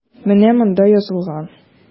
Менә монда язылган.